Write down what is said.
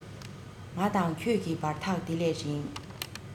ང དང ཁྱོད ཀྱི བར ཐག དེ ལས རིང